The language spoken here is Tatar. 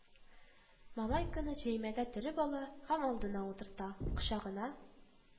Малайканы җәймәгә төреп ала һәм алдына утырта, кочагына